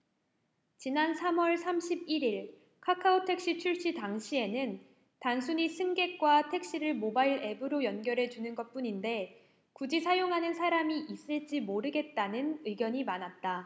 지난 삼 월 삼십 일 일 카카오택시 출시 당시에는 단순히 승객과 택시를 모바일 앱으로 연결해주는 것뿐인데 굳이 사용하는 사람이 있을지 모르겠다는 의견이 많았다